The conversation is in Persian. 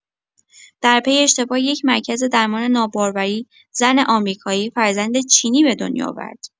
در پی اشتباه یک مرکز درمان ناباروری، زن آمریکایی فرزند چینی به دنیا آورد